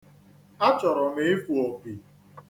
Achọrọ m ịfụ opi.